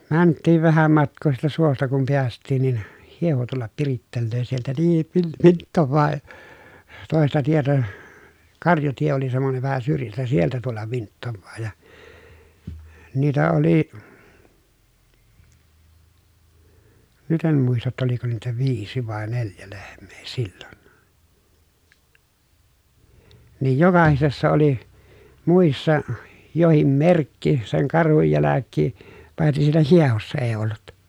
vaan mentiin vähän matkaa siitä suosta kun päästiin niin hieho tulla pirittelee sieltä niin - vinttaa toista tietä karjatie oli semmoinen vähän syrjästä sieltä tulla vinttaa ja niitä oli nyt en muista jotta oliko niitä viisi vai neljä lehmää silloin niin jokaisessa oli muissa jokin merkki sen karhun jälkeen paitsi siinä hiehossa ei ollut